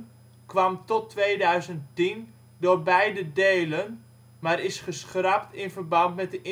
kwam tot 2010 door beide delen maar is geschrapt in verband met